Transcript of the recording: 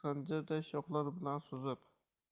xanjarday shoxlari bilan suzib